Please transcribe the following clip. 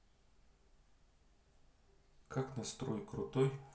как настрой крутой